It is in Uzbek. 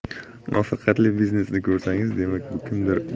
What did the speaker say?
muvaffaqiyatli biznesni ko'rsangiz demak kimdir